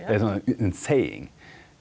det er ein sånn ein saying.